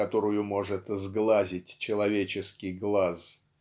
которую может сглазить человеческий глаз.